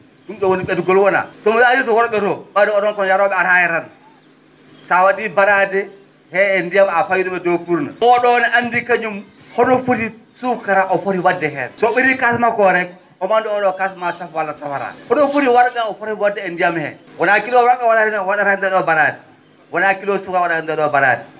?um ?o woni ?etogol wona somi ari to wor?e to ?ayde onon kon yaroo?e ataaya tan so a wa?ii barlaade hee e ndiyam a fawii ?um e dow fuurno o?o ne anndi kañum hono foti suukara o foti wa?de heen so ?etii kaas makko oo rek omo anndi o?o kas maa saf walla safata hono ?uri warga o foti wa?de e ndiyam hee wonaa kilo warga o wa?ata e nde ?o barlaade wonaa kilo sukara o wa?ata e nde ?o barlaade